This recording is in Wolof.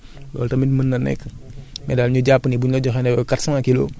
boo amee sa cent kilos nga def ko ci sa hectare bu déwénee nga amaat cent kilos defaat